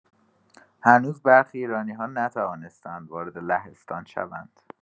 هنوز برخی ایرانی‌‌ها نتوانسته‌اند وارد لهستان شوند.